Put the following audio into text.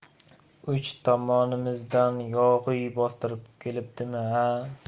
uch tomonimizdan yog'iy bostirib kelibdimi a